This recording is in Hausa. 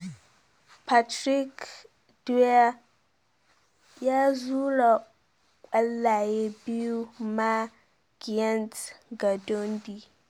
Patrick Dwyer ya zura kwallaye biyu ma Giants ga Dundee